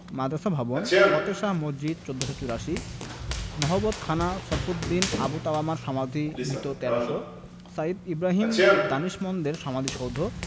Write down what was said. মাদ্রাসা ভবন ফতেহ শাহ মসজিদ ১৪৮৪ নহবতখানা শরফুদ্দীন আবু তাওয়ামার সমাধি মৃত্যু ১৩০০ সাইয়্যিদ ইবরাহিম দানিশমন্দের সমাধিসৌধ